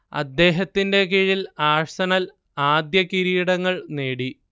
അദ്ദേഹത്തിന്റെ കീഴിൽ ആഴ്സണൽ ആദ്യ കിരീടങ്ങൾ നേടി